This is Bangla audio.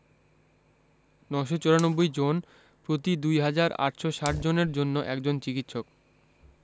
৯৯৪ জন প্রতি ২হাজার ৮৬০ জনের জন্য একজন চিকিৎসক